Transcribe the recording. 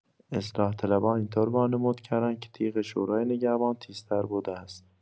اصلاح‌طلبان این‌طور وانمود کردند که تیغ شورای نگهبان تیزتر بوده است.